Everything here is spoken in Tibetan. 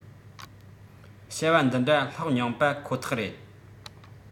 བྱ བ འདི འདྲ ལྷག མྱོང པ ཁོ ཐག རེད